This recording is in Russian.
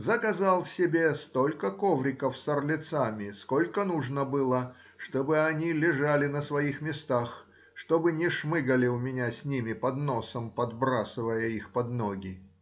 Заказал себе столько ковриков с орлецами, сколько нужно было, чтобы они лежали на своих местах, чтобы не шмыгали у меня с ними под носом, подбрасывая их под ноги.